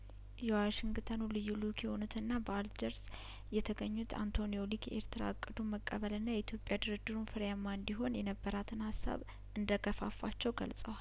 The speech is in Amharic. የዋሽንግተኑ ልዩ ልኡክ የሆኑትና በአልጀርስ የተገኙት አንቶኒዎ ሊክ የኤርትራ እቅዱን መቀበልና የኢትዮጵያ ድርድሩን ፍሬያማ እንዲሆን የነበራትን ሀሳብ እንደገፋፋቸው ገልጸዋል